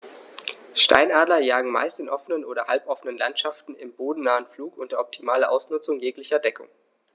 Steinadler jagen meist in offenen oder halboffenen Landschaften im bodennahen Flug unter optimaler Ausnutzung jeglicher Deckung.